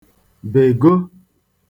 bègō